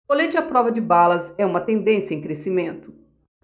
colete à prova de balas é uma tendência em crescimento